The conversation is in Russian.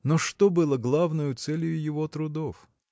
Но что было главною целью его трудов?